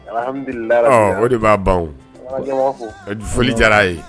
Alihamidulila rabili alamina. Hon o de ba ban wo . N ba ka ɲɛmɔgɔ fo. Foli diyara ye